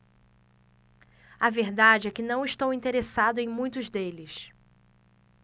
a verdade é que não estou interessado em muitos deles